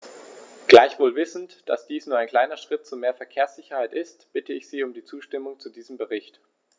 Gleichwohl wissend, dass dies nur ein kleiner Schritt zu mehr Verkehrssicherheit ist, bitte ich Sie um die Zustimmung zu diesem Bericht.